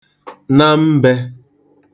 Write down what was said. na mbè